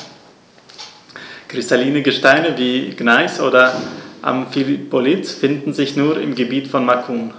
Kristalline Gesteine wie Gneis oder Amphibolit finden sich nur im Gebiet von Macun.